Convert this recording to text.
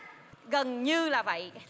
gần như là vậy